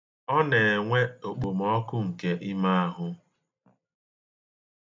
Ọ na-enwe okpomọkụ nke ime ahụ.